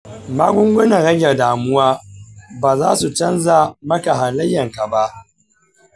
magungunan rage damuwa ba za su canza maka halayyanka ba.